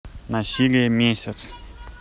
насилие месяц